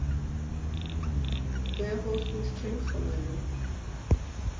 «Դե հո սուրճ չենք խմելու»։